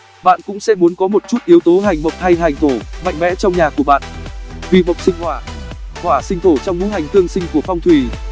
bạn cũng sẽ muốn có một chút yếu tố hành mộc hay hành thổ mạnh mẽ trong nhà của bạn vì mộc sinh hỏa hỏa sinh thổ trong ngũ hành tương sinh của phong thủy